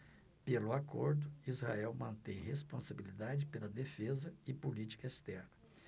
pelo acordo israel mantém responsabilidade pela defesa e política externa